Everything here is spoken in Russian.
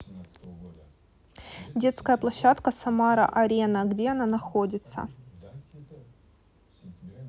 детская площадка самара арена где она находится